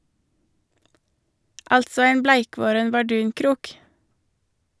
Altså ein bleikvoren bardunkrok.